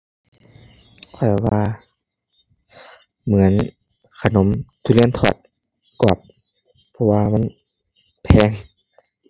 ข้อยว่าเหมือนขนมทุเรียนทอดกรอบ เพราะว่ามันแพง